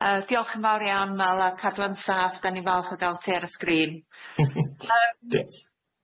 Yy diolch yn fawr iawn Ma'l yy cadw yn saff, dan ni'n falch o ga'l ti ar y sgrin.